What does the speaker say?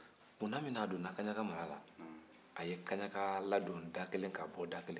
tumana min na a donna kaɲaga mara a ye kaɲaga ladon da kelen k'a bɔ da kelen